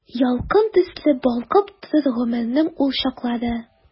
Ялкын төсле балкып торыр гомернең ул чаклары.